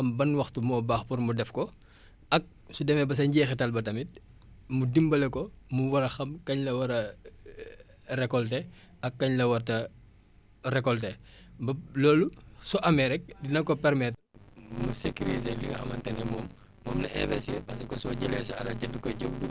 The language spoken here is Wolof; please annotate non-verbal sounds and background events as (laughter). ak su demee ba sa njeexital ba tamit mu dimbale ko mu war a xam kañ la war a (hesitation) récolter ak kañ la warut a récolter fra ba loolu su amee rek dina ko permettre (noise) mu sécuriser li nga xamante ne moom moom la investir parce que soo jëlee sa alal jënd ko jiw dugal ko suuf ah bugg nga ci dara